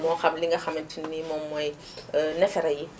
moo xam li nga xamante ni moom mooy neefare yi